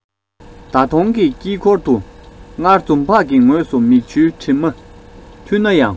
ཟླ གདོང གི དཀྱིལ འཁོར དུ སྔར འཛུམ བག གི ངོས སུ མིག ཆུའི དྲི མ འཐུལ ན ཡང